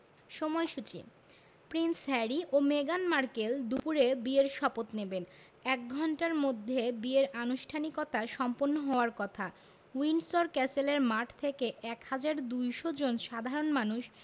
সময়সূচি prince Harry ও মেগান মার্কেল দুপুরে বিয়ের শপথ নেবেন এক ঘণ্টার মধ্যে বিয়ের আনুষ্ঠানিকতা সম্পন্ন হওয়ার কথা উইন্ডসর ক্যাসেলের মাঠ থেকে ১হাজার ২০০ জন সাধারণ মানুষ